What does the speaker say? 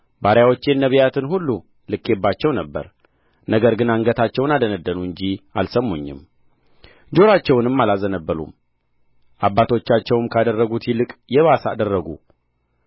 ባሪያዎቼን ነቢያትን ሁሉ ልኬባችሁ ነበር ነገር ግን አንገታቸውን አደነደኑ እንጂ አልሰሙኝም ጆሮአቸውንም አላዘነበሉም አባቶቻቸውም ካደረጉት ይልቅ የባሰ አደረጉ